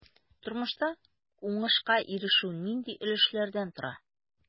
Тормышта уңышка ирешү нинди өлешләрдән тора?